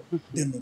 Den